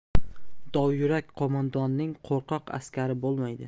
dovyurak qo'mondonning qo'rqoq askari bo'lmaydi